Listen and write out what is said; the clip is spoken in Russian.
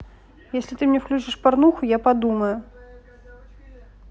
если ты мне включишь порнуху я подумаю